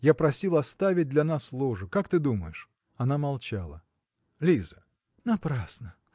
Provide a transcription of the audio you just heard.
я просил оставить для нас ложу – как ты думаешь? Она молчала. – Лиза! – Напрасно.